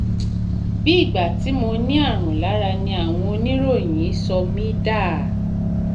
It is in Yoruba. ”Bíi ìgbà tí mo ní àrùn lára ni àwọn oníròyìn sọ mí dà.”